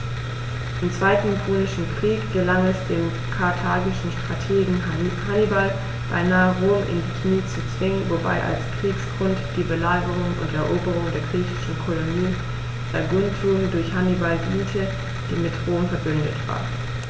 Im Zweiten Punischen Krieg gelang es dem karthagischen Strategen Hannibal beinahe, Rom in die Knie zu zwingen, wobei als Kriegsgrund die Belagerung und Eroberung der griechischen Kolonie Saguntum durch Hannibal diente, die mit Rom „verbündet“ war.